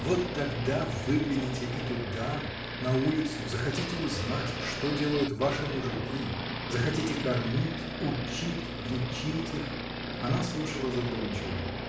Вот тогда выглянете и туда, на улицу, захотите узнать, что делают ваши мужики, захотите кормить, учить, лечить их. Она слушала задумчиво.